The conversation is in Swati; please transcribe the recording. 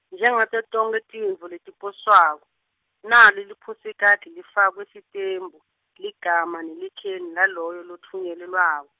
Njengato tonkhe tintfo letiposwako, nalo liposikhadi lifakwa sitembu, ligama nelikheli, laloyo lotfunyelelwako.